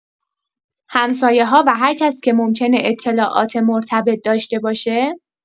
همسایه‌ها و هر کسی که ممکنه اطلاعات مرتبط داشته باشه